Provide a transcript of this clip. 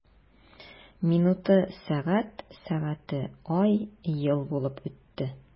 Минуты— сәгать, сәгате— ай, ел булып үтте.